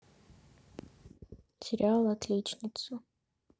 сериал отличница